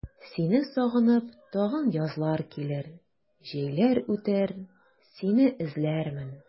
Сине сагынып тагын язлар килер, җәйләр үтәр, сине эзләрмен.